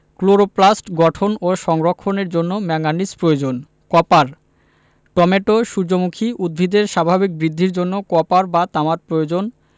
chloroplast গঠন ও সংরক্ষণের জন্য ম্যাংগানিজ প্রয়োজন কপার টমেটো সূর্যমুখী উদ্ভিদের স্বাভাবিক বৃদ্ধির জন্য কপার বা তামার প্রয়োজন